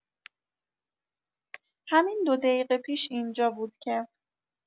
همین دو دیقه پیش اینجا بود که